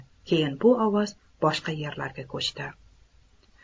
keyin bu ovoz boshqa yerlarga ko'chdi